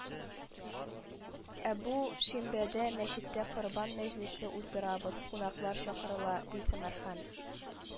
“ә бу шимбәдә мәчеттә корбан мәҗлесе уздырабыз, кунаклар чакырыла”, ди самәрхан